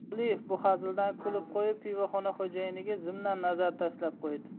soliev bu hazildan kulib qo'yib pivoxona xo'jayiniga zimdan nazar tashlab qo'ydi